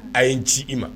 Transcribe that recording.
A ye n ji i ma